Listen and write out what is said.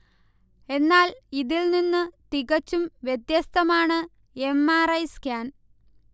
എന്നാൽ ഇതിൽനിന്നു തികച്ചും വ്യത്യസ്തമാണ് എം. ആർ. ഐ. സ്കാൻ